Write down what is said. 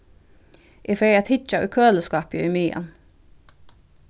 eg fari at hyggja í køliskápið ímeðan